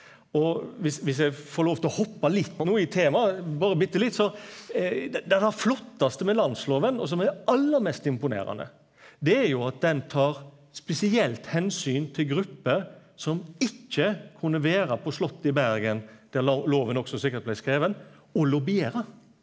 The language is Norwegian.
og viss viss eg får lov til å hoppa litt no i tema berre bitte litt så er det er det flottaste med landsloven og som er aller mest imponerande, det er jo at den tar spesielt omsyn til grupper som ikkje kunne vera på slottet i Bergen der loven også sikkert blei skriven og lobbyera.